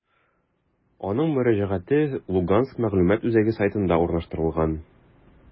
Аның мөрәҗәгате «Луганск мәгълүмат үзәге» сайтында урнаштырылган.